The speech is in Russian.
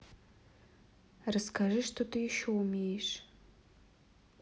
расскажи что ты еще умеешь